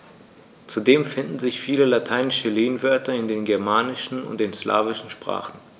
Zudem finden sich viele lateinische Lehnwörter in den germanischen und den slawischen Sprachen.